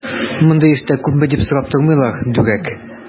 Мондый эштә күпме дип сорап тормыйлар, дүрәк!